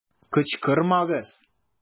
Кычкырмагыз!